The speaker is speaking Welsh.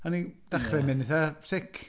A o'n i'n... ie. ...dechrau mynd eitha sick.